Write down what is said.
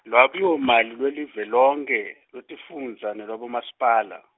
lwabiwomali lwelive lonkhe, lwetifundza, nelwabomasipala.